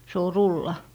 se on rulla